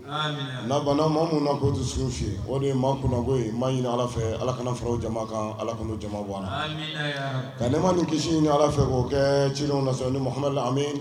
Minnu sunko ma ɲini ala fɛ ala kana kan ala jamama bɔ nka ne ma ni kisi ɲɛ ala fɛ k'o kɛ ci niha